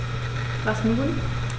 Was nun?